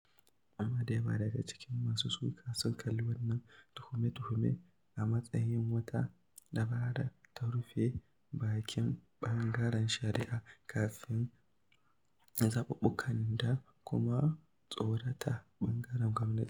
Amma da yawa daga cikin masu suka sun kalli waɗannan tuhume-tuhumen a matsayin wata dabara ta rufe bakin ɓangaren shari'a kafin zaɓuɓɓukan da kuma tsorata ɓangaren gwamnati.